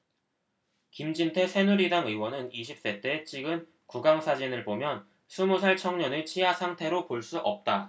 김진태 새누리당 의원은 이십 세 때 찍은 구강 사진을 보면 스무살 청년의 치아 상태로 볼 수 없다